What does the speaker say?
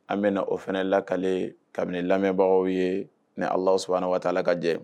An bɛna o fana lakale kabini lamɛnbagaw ye ni ala sana waa taala ka jɛ